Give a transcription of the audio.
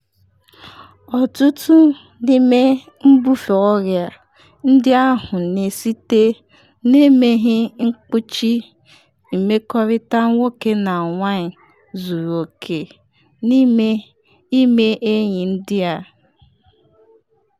Ọtụtụ n’ime mbufe ọrịa ndị ahụ na esite na-emeghị mkpuchi mmekọrịta nwoke na nwanyị zuru oke n’ime ịme enyi ndị a.